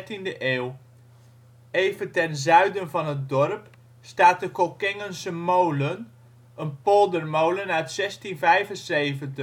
in de 13e eeuw. Even ten zuiden van het dorp staat de Kockengense Molen, een poldermolen uit 1675. Tot